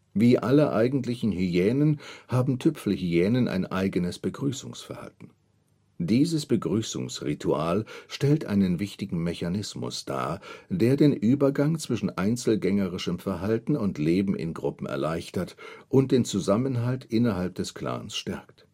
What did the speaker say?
Wie alle Eigentlichen Hyänen haben Tüpfelhyänen ein eigenes Begrüßungsverhalten. Dieses Begrüßungsritual stellt einen wichtigen Mechanismus dar, der den Übergang zwischen einzelgängerischem Verhalten und Leben in Gruppen erleichtert und den Zusammenhalt innerhalb des Clans stärkt